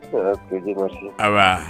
Sutigi a